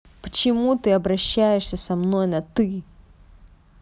почему ты общаешься со мной на ты